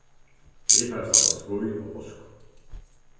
vit fara at standa á skíð á páskum